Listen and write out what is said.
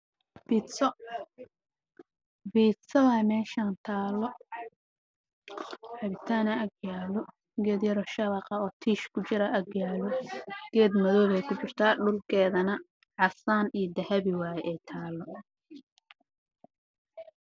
Waa pizza meel taalo cabitaan ayaa ag yaalo